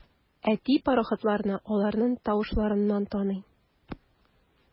Әти пароходларны аларның тавышларыннан таный.